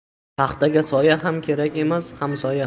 paxtaga soya ham kerak emas hamsoya ham